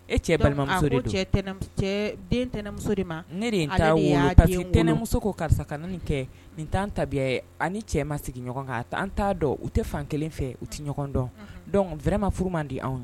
E cɛ balimamuso den tɛnɛnmuso de ma ne de taa ntɛnɛnmuso ko karisa ka kɛ nin'an tabiya ani cɛ ma sigi ɲɔgɔn kan an t'a dɔn u tɛ fan kelen fɛ u tɛ ɲɔgɔn dɔn wɛrɛɛrɛ ma furu man d di anw